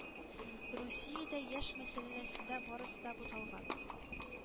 “русиядә яшь мәсьәләсендә барысы да буталган,